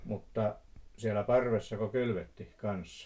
mutta siellä parvessako kylvettiin kanssa